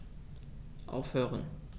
Aufhören.